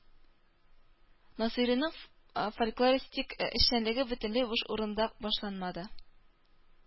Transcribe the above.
Насыйриның фольклористик эшчәнлеге бөтенләй буш урында башланмады